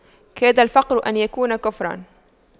كاد الفقر أن يكون كفراً